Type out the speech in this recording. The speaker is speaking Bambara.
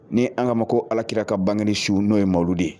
Ni an ka mago ko alakira ka bang su n'o ye malo de ye